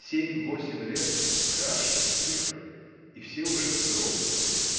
Семь, восемь лет — страшные цифры. И все уже взрослые.